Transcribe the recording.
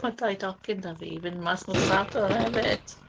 Mae'r dau docyn 'da fi i fynd mas nos Sadwrn hefyd.